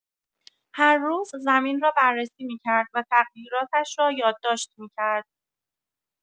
هر روز زمین را بررسی می‌کرد و تغییراتش را یادداشت می‌کرد.